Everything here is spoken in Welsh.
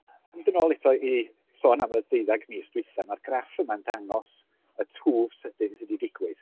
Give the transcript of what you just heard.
mynd yn ôl eto i sôn am y deuddeg mis dwytha, ma'r graff yma'n dangos y twf sydyn sy 'di digwydd.